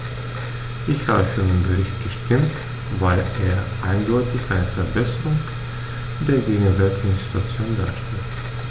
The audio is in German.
Ich habe für den Bericht gestimmt, weil er eindeutig eine Verbesserung der gegenwärtigen Situation darstellt.